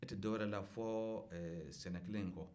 e tɛ dɔwɛrɛ la fo ee sɛnɛ kelen in ko